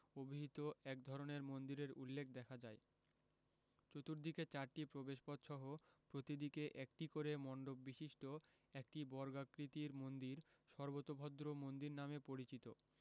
অভিহিত এক ধরনের মন্দিরের উল্লেখ দেখা যায় চতুর্দিকে চারটি প্রবেশপথসহ প্রতিদিকে একটি করে মন্ডপ বিশিষ্ট একটি বর্গাকৃতির মন্দির সর্বোতভদ্র মন্দির নামে পরিচিত